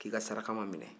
k'i ka saraka ma minɛ